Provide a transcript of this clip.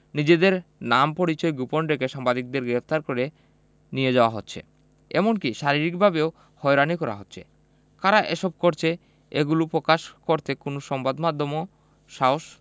নিজেদের নাম পরিচয় গোপন রেখে সাংবাদিকদের গ্রেপ্তার করে নিয়ে যাওয়া হচ্ছে এমনকি শারীরিকভাবেও হয়রানি করা হচ্ছে কারা এসব করছে সেগুলো প্রকাশ করতে কোনো সংবাদ মাধ্যমও সাহস